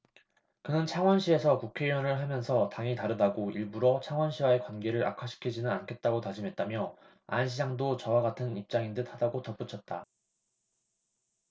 그는 창원시에서 국회의원을 하면서 당이 다르다고 일부러 창원시와의 관계를 악화시키지는 않겠다고 다짐했다며 안 시장도 저와 같은 입장인 듯 하다고 덧붙였다